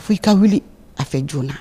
A fo i ka wuli a fɛ joona